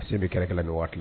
A sen bɛ kɛlɛ ɲɔgɔn waati